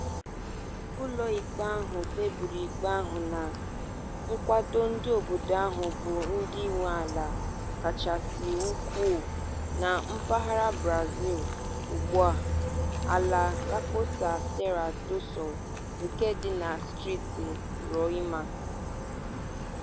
Ụlọikpe ahụ kpebiri ikpe ahụ na nkwado ndị obodo ahụ bụ ndị nwe ala kachasị ukwuu na mpaghara Brazil ugbua - ala Raposa Terra do Sol, nke dị na steeti Roraima.